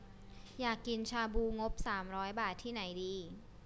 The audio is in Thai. อยากกินชาบูงบสามร้อยบาทที่ไหนดี